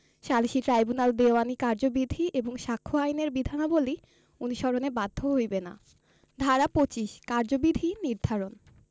সালিসী ট্রাইব্যুনাল দেওয়ানী কার্যবিধি এবং সাক্ষ্য আইনের বিধানাবলী অনুসরণে বাধ্য হইবে না ধারা ২৫ কার্যবিধি নির্ধারণ